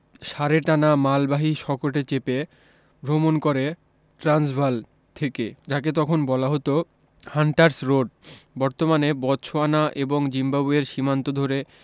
ষাঁড়ে টানা মালবাহী শকটে চেপে ভ্রমণ করে ট্রান্সভাল থেকে যাকে তখন বলা হত হান্টারস রোড বর্তমানে বতসোয়ানা এবং জিম্বাবোয়ের সীমান্ত ধরে